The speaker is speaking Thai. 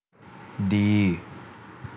ดี